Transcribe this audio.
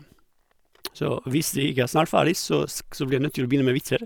Så hvis det ikke er snart ferdig, så sk så blir jeg nødt til å begynne med vitser.